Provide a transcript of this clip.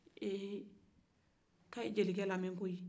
ee k' a ye jelikɛ lamɛn koyi